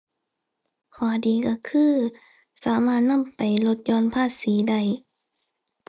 ข้อดีก็คือ สามารถนำไปลดหย่อนภาษีได้